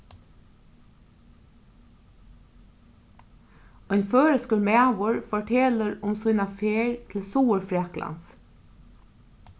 ein føroyskur maður fortelur um sína ferð til suðurfraklands